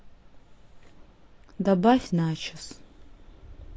добавь начос